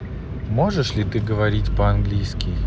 можешь ли ты говорить по английски